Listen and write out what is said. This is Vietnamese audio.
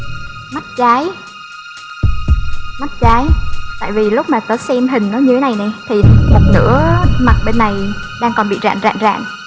mắt trái mắt trái tại vì lúc mà tớ xem hình nó như này nè thì một nửa mặt bên này đang còn bị rạn rạn rạn